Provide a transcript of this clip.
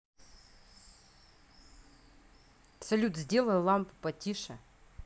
салют сделай лампу потише